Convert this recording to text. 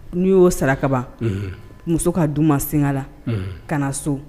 N'u y'o sarakakaban muso ka du ma senga la ka na so